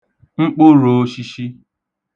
mkpụrōōshīshī